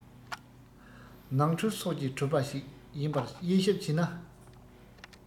ནང ཁྲོལ སོགས ཀྱིས གྲུབ པ ཞིག ཡིན པར དབྱེ ཞིབ བྱས ན